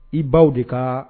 I baw de kan